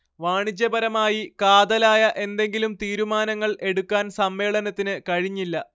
വാണിജ്യപരമായി കാതലായ എന്തെങ്കിലും തീരുമാനങ്ങൾ എടുക്കാൻ സമ്മേളനത്തിന് കഴിഞ്ഞില്ല